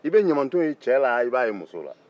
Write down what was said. i bɛ ɲamaton ye cɛ la i b'a ye muso la